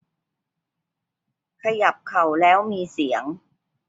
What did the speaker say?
ขยับเข่าแล้วมีเสียง